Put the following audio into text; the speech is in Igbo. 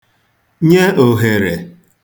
nye òhèrè